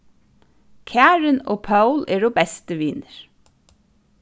karin og pól eru bestu vinir